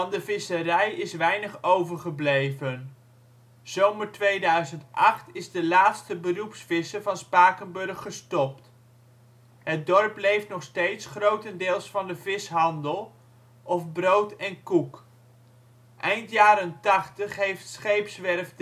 de visserij is weinig overgebleven; zomer 2008 is de laatste beroepsvisser van Spakenburg gestopt. Het dorp leeft nog steeds grotendeels van de vishandel of brood en koek. Eind jaren tachtig heeft scheepswerf